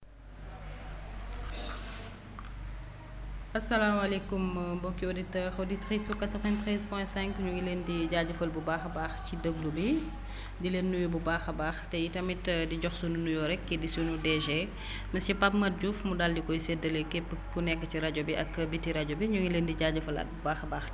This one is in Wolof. asaalaamaalekum mbokki auditeurs auditrice su 93 point 5 ñu ngi leen di jaajëfal bu baax a baax ci déglu bi di leen nuyu bu baax a baax te itamit di jox suñu nuyoo rekk kii di suñu DG monsieur Pape Mate Diouf mu daal di koy séddale képp ku nekk ci rajo bi ak bitti rajo bi ñu nghi leen di jaajëfalaat bu baax a baax